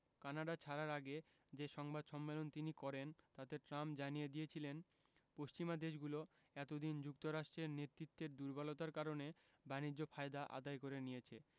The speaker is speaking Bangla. কানাডা ছাড়ার আগে যে সংবাদ সম্মেলন তিনি করেন তাতে ট্রাম্প জানিয়ে দিয়েছিলেন পশ্চিমা দেশগুলো এত দিন যুক্তরাষ্ট্রের নেতৃত্বের দুর্বলতার কারণে বাণিজ্য ফায়দা আদায় করে নিয়েছে